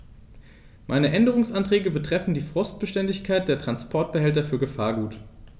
Meine Änderungsanträge betreffen die Frostbeständigkeit der Transportbehälter für Gefahrgut.